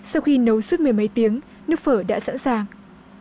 sau khi nấu suốt mười mấy tiếng nước phở đã sẵn sàng